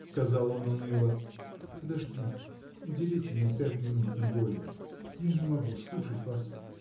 – сказал он уныло, – подождите, уделите мне пять минут, не более. – Я не могу слушать вас!